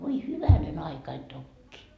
voi hyvänen aikani tokiin